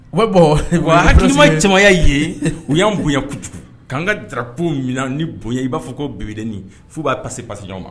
Oui, boni, hakilima cɛman y'a ye u y'an bonya kojugu k'an ka drapeau minɛ ni bonya ye i b'a fɔ ko bebedeni f'u b'a passer, passer ɲɔgɔn ma.